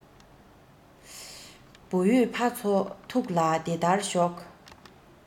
བུ ཡོད ཕ ཚོ ཐུགས ལ དེ ལྟར ཞོག